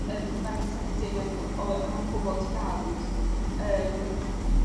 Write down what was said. yym ma'r setting yn om- o am pobol tlawd. Yym.